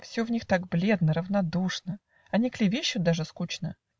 Все в них так бледно, равнодушно Они клевещут даже скучно